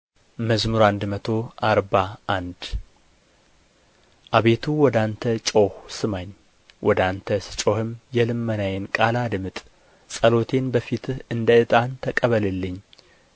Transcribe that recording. መዝሙር መቶ አርባ አንድ አቤቱ ወደ አንተ ጮኽሁ ስማኝ ወደ አንተ ስጮኽም የልመናዬን ቃል አድምጥ ጸሎቴን በፊትህ እንደ ዕጣን ተቀበልልኝ